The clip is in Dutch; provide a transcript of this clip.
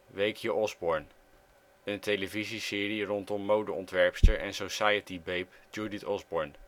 Weekje Osborn (een televisieserie rondom mode-ontwerpster en society babe Judith Osborn